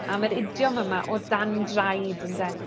am yr idiom yma o dan draed ynde?